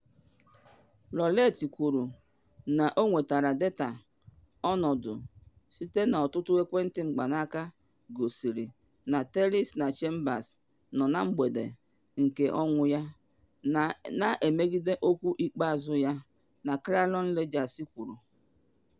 Rowlett kwuru na ọ nwetara data ọnọdụ site n’ọtụtụ ekwentị mkpanaka gosiri na Tellis na Chambers nọ na mgbede nke ọnwụ ya, na emegide okwu ikpeazụ ya, The Clarion Ledger kwuru.